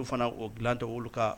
Olu fana o dilan tɛ olu kan